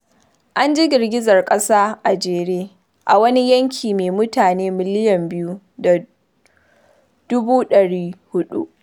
An ji girgizar ƙasa a jere a wani yanki mai mutane miliyan 2 da dubu ɗari 4.